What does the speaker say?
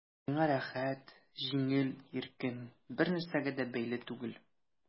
Миңа рәхәт, җиңел, иркен, бернәрсәгә дә бәйле түгел...